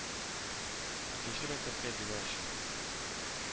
Икенче мәктәптә бина эчен